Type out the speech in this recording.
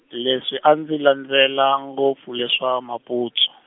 leswi a landzelela ngopfu leswa maputsu.